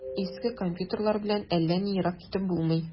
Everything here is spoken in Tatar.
Иске компьютерлар белән әллә ни ерак китеп булмый.